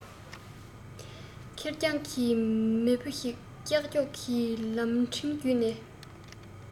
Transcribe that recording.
ཁེར རྐྱང གི མི བུ ཞིག ཀྱག ཀྱོག གི ལམ འཕྲང རྒྱུད ནས